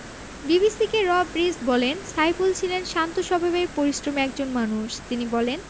বিবিসিকে Rob Rees বলেন সাইফুল ছিলেন শান্ত স্বভাবের পরিশ্রমী একজন মানুষ তিনি বলেন